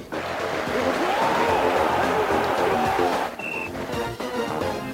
Sanunɛgɛnin yo